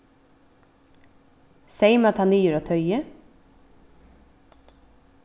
seyma tað niður á toyið